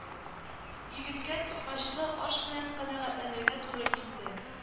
Егеткә токмачлы аш белән канәгатьләнергә туры килде